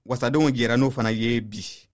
wasadenw jɛra n'o fana ye bi